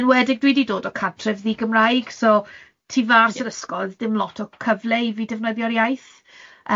Yn enwedig dwi 'di dod o cartref di-Gymraeg so tu fas i'r ysgol oedd dim lot o cyfle i fi defnyddio'r iaith.